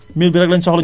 mil bi rekk la ñu soxla